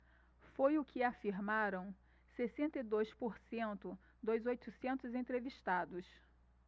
foi o que afirmaram sessenta e dois por cento dos oitocentos entrevistados